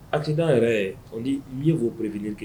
Aki n' yɛrɛ ye o b'o perefiini kɛ